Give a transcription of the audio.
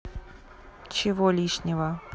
чего лишнего